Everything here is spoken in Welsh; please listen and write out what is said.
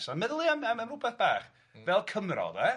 Ond meddylia am am rwbath bach,... Mm. ...fel Cymro 'de.